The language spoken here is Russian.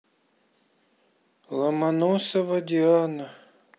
ломоносова диана